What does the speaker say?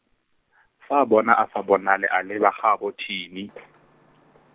fa a bona a sa bonale a leba gaabo Tiny .